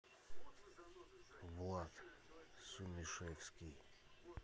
влад сумишевский